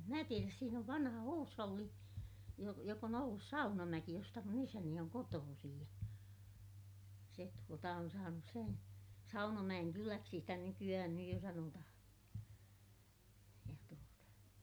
en minä tiedä siinä on vanha huusholli - joka on ollut Saunamäki josta minun isäni on kotoisin ja se tuota on saanut sen Saunamäenkyläksi sitä nykyään nyt jo sanotaan ja tuota